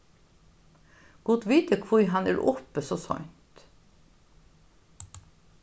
gud viti hví hann er uppi so seint